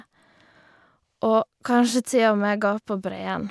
Og kanskje til og med gå på breen.